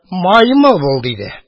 Маймыл бул! – диде.